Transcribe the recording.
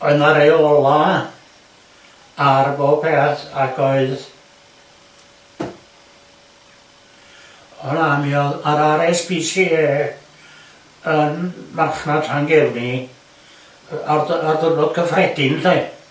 Oedd 'na reola ar bob peth af oedd oedd na mi oedd yr are ess pee bee ay yn marchnad Llangefni ar d- ar ddiwrnod cyffredin 'lly.